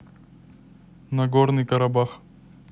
нагорный карабах